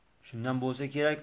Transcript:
shundan bo'lsa kerak